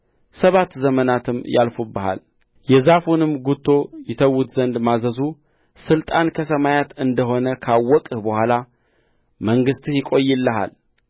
ሰባት ዘመናትም ያልፉብሃል የዛፉንም ጉቶ ይተዉት ዘንድ ማዘዙ ሥልጣን ከሰማያት እንደ ሆነ ካወቅህ በኋላ መንግሥትህ ይቆይልሃል